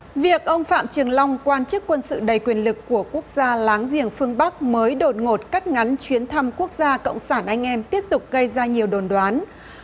việc ông phạm trường long quan chức quân sự đầy quyền lực của quốc gia láng giềng phương bắc mới đột ngột cắt ngắn chuyến thăm quốc gia cộng sản anh em tiếp tục gây ra nhiều đồn đoán